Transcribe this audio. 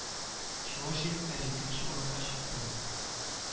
Чуаш егетләре икенче урынга чыкты